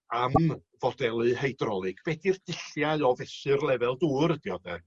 am fodelu heidrolig be' 'di'r dulliau o fesu'r lefel dŵr ydi o 'de.